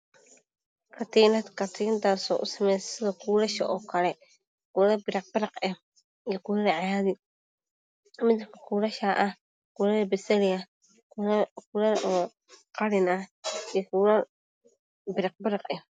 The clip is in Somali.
Waa katiinad u sameysan sida kuulasha kuulal biraq leh iyo kuulal caadi ah, kuulal basali ah iyo kuulal qalin ah.